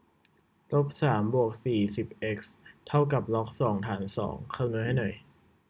ลบสามบวกสี่สิบเอ็กซ์เท่ากับล็อกสองฐานสองคำนวณให้หน่อย